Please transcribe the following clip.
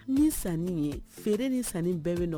Nin san nin ye feere ni sanni bɛɛ bɛ dɔn